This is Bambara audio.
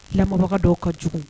La dɔw ka jugu